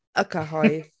Y cyhoedd.